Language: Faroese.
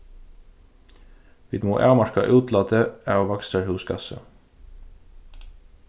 vit mugu avmarka útlátið av vakstrarhúsgassi